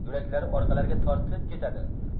yuraklari orqalariga tortib ketadi